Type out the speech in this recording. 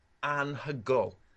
anhygol